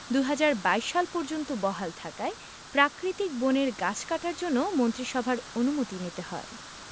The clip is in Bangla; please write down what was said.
২০২২ সাল পর্যন্ত বহাল থাকায় প্রাকৃতিক বনের গাছ কাটার জন্য মন্ত্রিসভার অনুমতি নিতে হয়